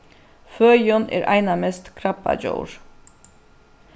føðin er einamest krabbadjór